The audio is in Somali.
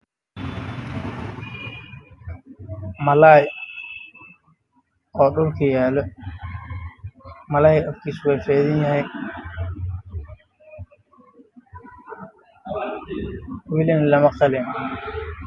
Waa kalluun midabkiis yahay madow